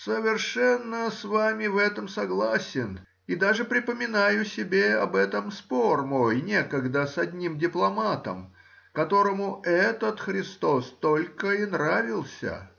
— Совершенно с вами в этом согласен и даже припоминаю себе об этом спор мой некогда с одним дипломатом, которому этот Христос только и нравился